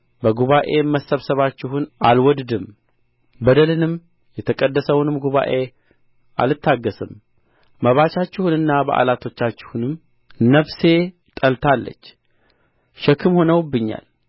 በጉባኤ መሰብሰባችሁን አልወድድም በደልንም የተቀደሰውንም ጉባኤ አልታገሥም መባቻችሁንና በዓላቶቻችሁን ነፍሴ ጠልታለች ሸክም ሆነውብኛል